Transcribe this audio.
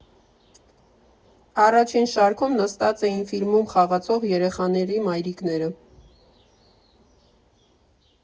Առաջին շարքում նստած էին ֆիլմում խաղացող երեխաների մայրիկները։